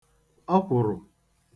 ọkwụ̀rụ̀